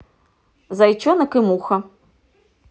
зайчонок и муха